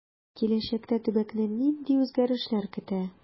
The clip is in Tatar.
Киләчәктә төбәкне нинди үзгәрешләр көтә?